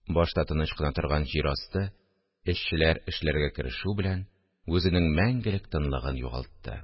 Башта тыныч кына торган җир асты, эшчеләр эшләргә керешү белән, үзенең мәңгелек тынлыгын югалтты